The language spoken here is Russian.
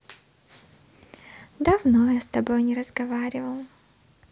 давно я с тобой не разговаривал